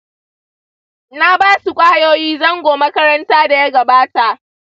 na ba su kwayoyi zango makaranta da ya gabata .